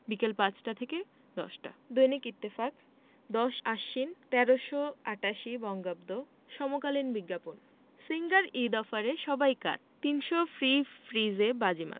দৈনিক ইত্তেফাক ১০ই আশ্বিন ১৩৮৮ পৃষ্ঠা ১ সমকালীন বিজ্ঞাপন সিঙ্গার ঈদ অফারে সবাই কাত ৩০০ ফ্রি ফ্রিজে বাজিমাত